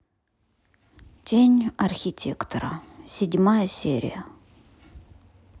тень архитектора седьмая серия